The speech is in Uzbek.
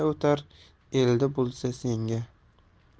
o'tar elda bo'lsa senga